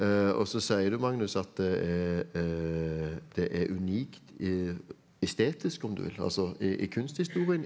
og så sier du Magnus at det er det er unikt i estetisk om du vil altså i i kunsthistorien.